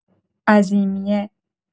عظیمیه